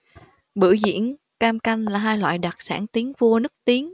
bưởi diễn cam canh là hai loại đặc sản tiến vua nức tiếng